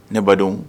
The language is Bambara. Ne badenw